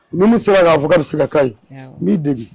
Ni min sera k'a fɔ k'a bɛ se ka k'a ɲe n b'i dege!